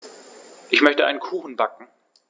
Ich möchte einen Kuchen backen.